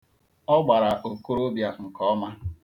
Ọ gbara okorobịa nke ọma.